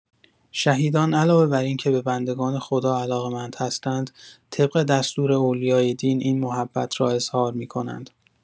شهیدان علاوه بر اینکه به بندگان خدا علاقه‌مند هستند طبق دستور اولیای دین این محبت را اظهار می‌کنند.